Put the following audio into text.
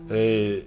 Ee